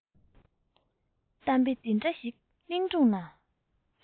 གཏམ དཔེ འདི འདྲ ཞིག གླིང སྒྲུང ན